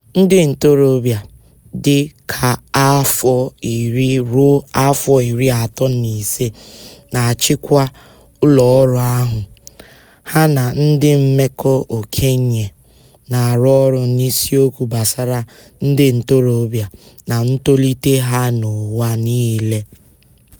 Ndị ntorobịa dị ka afọ iri ruo afọ iri atọ na ise na-achịkwa ụlọọrụ ahụ, ha na ndi mmekọ okenye na-arụ ọrụ n'isiokwu gbasara ndị ntorobịa na ntolite ha n'ụwa niile